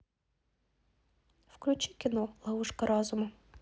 включи кино ловушка разума